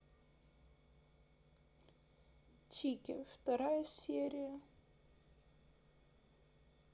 чики вторая серия